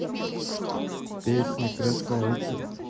песня красавица